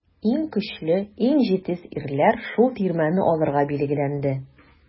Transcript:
Иң көчле, иң җитез ирләр шул тирмәне алырга билгеләнде.